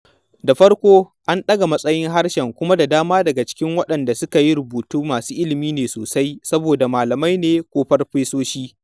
Da farko, an ɗaga matsayin harshen kuma da dama daga cikin waɗanda suka yi rubutu masu ilimi ne sosai saboda malamai ne ko farfesoshi.